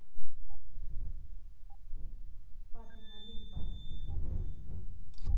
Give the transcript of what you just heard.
папин олимпос